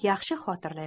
yaxshi xotirlayman